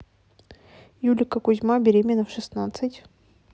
юлика кузьма беременна в шестнадцать